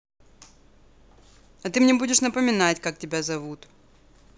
а ты мне будешь напоминать как тебя зовут